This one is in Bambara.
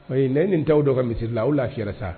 He ni nin t'a u dɔ ka misiri la aw lafiyara saa.